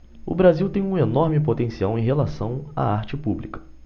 o brasil tem um enorme potencial em relação à arte pública